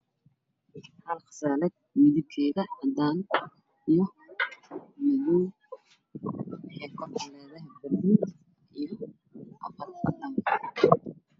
Hal qasalad midebkeeda cadan iyo wexey kor ka leedahay buluug iyo abal abal